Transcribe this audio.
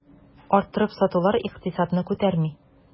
Арттырып сатулар икътисадны күтәрми.